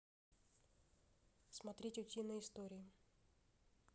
смотреть утиные истории